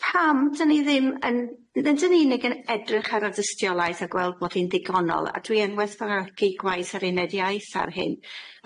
Pam da ni ddim yn n- n- dyn ni'nig yn edrych ar y dystiolaeth a gweld bod hi'n ddigonol a dwi yn werthfawrogi gwaith yr uned iaith ar hyn,